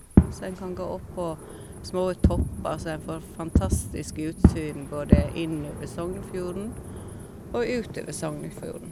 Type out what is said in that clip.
Så en kan gå opp på små topper så en får fantastisk utsyn både innover Sognefjorden og utover Sognefjorden.